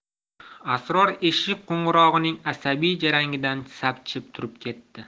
asror eshik qo'ng'irog'ining asabiy jarangidan sapchib turib ketdi